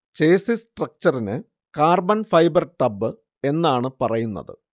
chassis സ്ട്രക്ചറിന് carbon fibre tub എന്നാണ് പറയുന്നത്